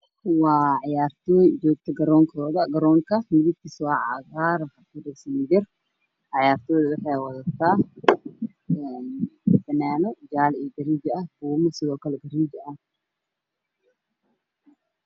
Waa ciyartoon oo jooga garonkkoodamidabkisu waa cagar cayartoyda wexeey wadataa funano jalo iyo garijo ah bumo sidoo kale jarijo eh